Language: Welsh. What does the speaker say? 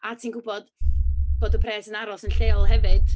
A ti'n gwbod bod y pres yn aros yn lleol hefyd.